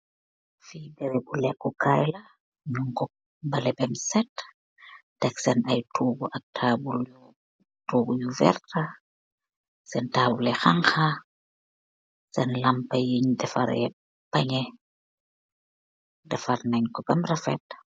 Fii bara bu lekku kaayla, ñungo bale bem set teg seen ay tuugu ak taabul, tuugu yu verta seen taabule xanxa seen lampa yiñ defare pane, defar nañ ko bem refet